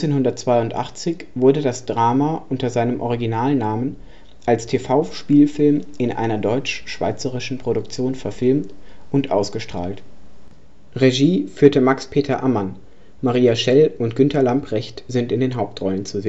1982 wurde das Drama unter seinem Originalnamen als TV-Spielfilm in einer deutsch-schweizerischen Produktion verfilmt und ausgestrahlt. Regie führte Max Peter Ammann, Maria Schell und Günter Lamprecht sind in den Hauptrollen zu